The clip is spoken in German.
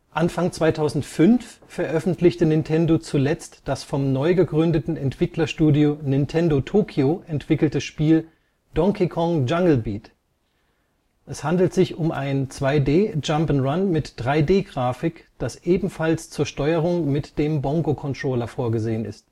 Anfang 2005 veröffentlichte Nintendo zuletzt das vom neu gegründeten Entwicklerstudio Nintendo Tokyo entwickelte Spiel Donkey Kong Jungle Beat. Es handelt sich um ein 2D-Jump'n'Run mit 3D-Grafik, das ebenfalls zur Steuerung mit dem Bongo-Controller vorgesehen ist